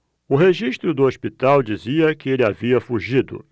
o registro do hospital dizia que ele havia fugido